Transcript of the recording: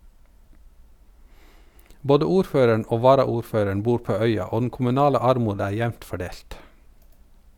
Både ordføreren og varaordføreren bor på øya, og den kommunale armod er jevnt fordelt.